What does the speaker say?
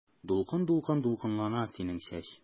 Дулкын-дулкын дулкынлана синең чәч.